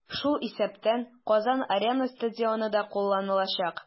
Шул исәптән "Казан-Арена" стадионы да кулланылачак.